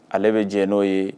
Ale be jɛn no ye.